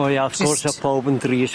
O ia wrth gwrs o'dd powb yn drist.